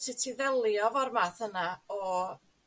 sut i ddelio 'fo'r math yna o